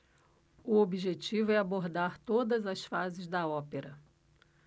o objetivo é abordar todas as fases da ópera